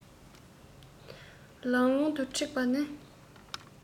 ལང ལོང དུ འཁྲིགས པ ནི